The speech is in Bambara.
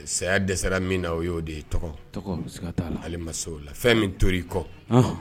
Saya dɛsɛra min na o y'o de ye tɔgɔ tɔgɔ sika taa la ale ma se ola fɛn min tor'i kɔ anhan